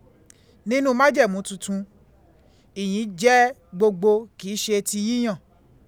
Nínú Májẹ̀mú titun, ìyìn jẹ gbogbo, k ìí ṣe ti yíyàn.